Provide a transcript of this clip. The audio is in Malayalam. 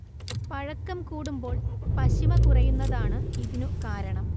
പഴക്കം കൂടുമ്പോൾ പശിമ കുറയുന്നതാണ് ഇതിനു കാരണം